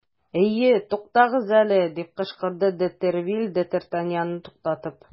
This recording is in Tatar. Әйе, тукагыз әле! - дип кычкырды де Тревиль, д ’ Артаньянны туктатып.